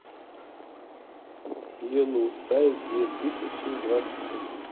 lily сайт две тысячи двадцать один